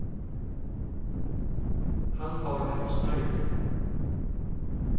hann fór ein snarveg